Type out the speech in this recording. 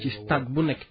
ci stade bu nekk